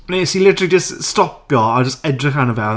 Wnes i literally jyst stopio a jyst edrych arno fe.